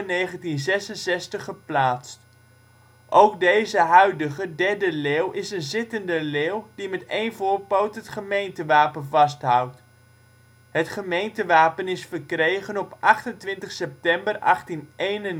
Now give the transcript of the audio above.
1966 geplaatst. Ook deze huidige, derde leeuw is een zittende leeuw die met één voorpoot het gemeentewapen vasthoudt. Het gemeentewapen is verkregen op 28 september 1891